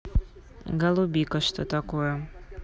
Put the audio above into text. голубика что такое